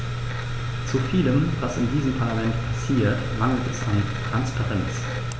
Zu vielem, was in diesem Parlament passiert, mangelt es an Transparenz.